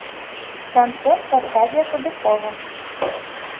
концерт аркадия кобякова